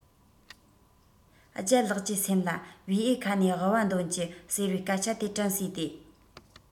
ལྗད ལགས ཀྱི སེམས ལ བེའུའི ཁ ནས ལྦུ བ འདོན གྱིས ཟེར བའི སྐད ཆ དེ དྲན གསོས ཏེ